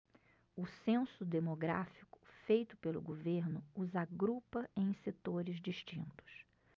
o censo demográfico feito pelo governo os agrupa em setores distintos